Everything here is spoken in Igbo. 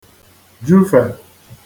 -jufè